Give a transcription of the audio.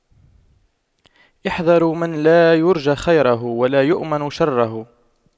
احذروا من لا يرجى خيره ولا يؤمن شره